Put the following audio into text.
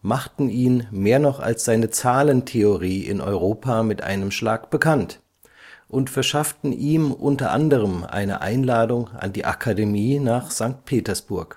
machten ihn mehr noch als seine Zahlentheorie in Europa mit einem Schlag bekannt und verschafften ihm unter anderem eine Einladung an die Akademie nach Sankt Petersburg